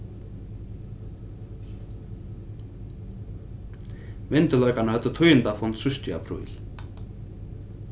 myndugleikarnir høvdu tíðindafund síðst í apríl